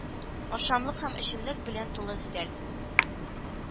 Ашамлык һәм эчемлек белән тулы өстәл